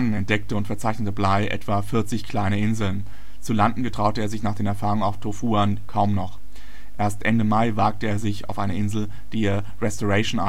entdeckte und verzeichnete Bligh etwa 40 kleine Inseln. Zu landen getraute er sich nach den Erfahrungen auf Tofua kaum noch. Erst Ende Mai wagte er sich auf eine Insel, die er Restauration